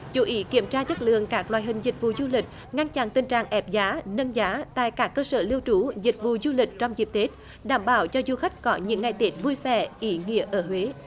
chú ý kiểm tra chất lượng cạc loại hình dịch vụ du lịch ngăn chặn tình trạng ép giá nâng giá tại cạc cơ sở lưu trú dịch vụ du lịch trong dịp tết đảm bảo cho du khách có những ngày tết vui vẻ ý nghĩa ở huế